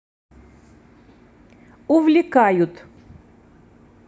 увлекают